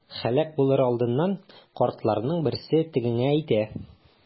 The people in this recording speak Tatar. Һәлак булыр алдыннан картларның берсе тегеңә әйтә.